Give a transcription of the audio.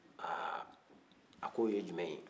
aa a k'o ye jumɛn ye